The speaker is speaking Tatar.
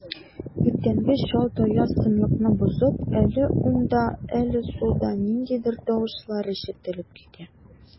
Иртәнге чалт аяз тынлыкны бозып, әле уңда, әле сулда ниндидер тавышлар ишетелеп китә.